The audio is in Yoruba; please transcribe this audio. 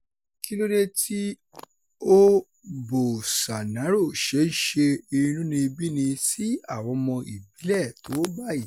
Kí ló dé tí ó [Bolsonaro] ṣe ń ṣe inúnibíni sí àwọn ọmọ ìbílẹ̀ tó báyìí?